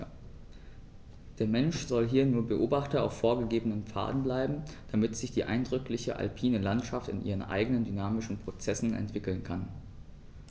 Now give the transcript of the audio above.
Der Mensch soll hier nur Beobachter auf vorgegebenen Pfaden bleiben, damit sich die eindrückliche alpine Landschaft in ihren eigenen dynamischen Prozessen entwickeln kann.